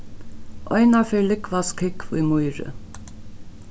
eina ferð lúgvast kúgv í mýri